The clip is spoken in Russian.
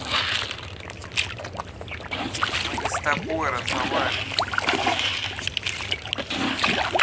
мы не с тобой разговариваем